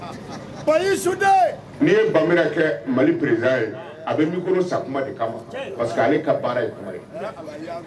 N' ye ba kɛ malierez ye a bɛkolo sa de kama parceseke ale ka baara ye kuma ye